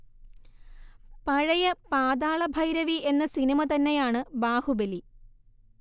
പഴയ പാതാളഭൈരവി എന്ന സിനിമ തന്നെയാണു ബാഹുബലി